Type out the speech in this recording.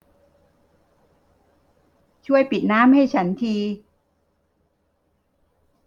ช่วยปิดน้ำให้ฉันที